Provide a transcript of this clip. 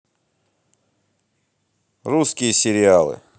русские сериалы